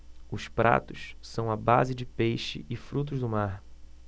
os pratos são à base de peixe e frutos do mar